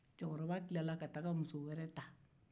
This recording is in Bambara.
cɛkɔrɔba tila ka taa muso wɛrɛ ta